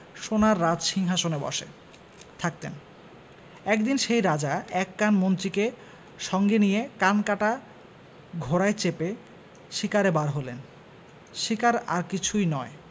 সোনার রাজসিংহাসনে বসে থাকতেন একদিন সেই রাজা এক কান মন্ত্রীকে সঙ্গে নিয়ে কানকাটা ঘোড়ায় চেপে শিকারে বার হলেন শিকার আর কিছুই নয়